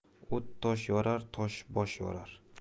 o't tosh yorar tosh bosh yorar